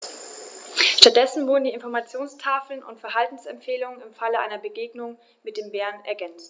Stattdessen wurden die Informationstafeln um Verhaltensempfehlungen im Falle einer Begegnung mit dem Bären ergänzt.